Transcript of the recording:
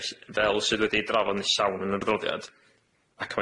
fell- fel sydd wedi'i drafod yn llawn yn yr adroddiad, ac